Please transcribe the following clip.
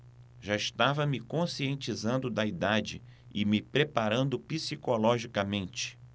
já estava me conscientizando da idade e me preparando psicologicamente